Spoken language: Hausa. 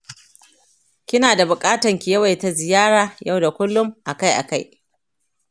kina da buƙatan ki yawaita ziyara yau da kullum akai akai